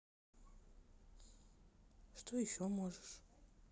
что еще можешь